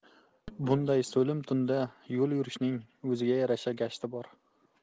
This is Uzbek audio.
bunday so'lim tunda yo'l yurishning o'ziga yarasha gashti bor